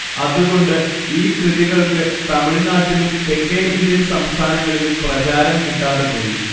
അതുകൊണ്ട് ഈ കൃതികൾക്ക് തമിഴ്‌നാട്ടിലും തെക്കേ ഇന്ത്യൻ സംസ്ഥാനങ്ങളിലും പ്രചാരം കിട്ടാതെപോയി